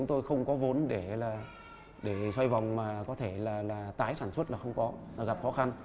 tôi không có vốn để là để xoay vòng mà có thể là là tái sản xuất là không có là gặp khó khăn